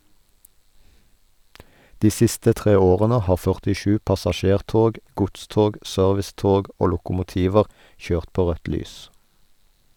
De siste tre årene har 47 passasjertog, godstog, servicetog og lokomotiver kjørt på rødt lys.